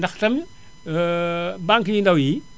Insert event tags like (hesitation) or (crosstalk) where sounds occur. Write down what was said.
ndax itam (hesitation) banques yu ndaw yi